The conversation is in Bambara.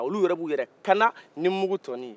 olu yɛrɛ b'u yɛrɛ kanda ni mugu tɔnin ye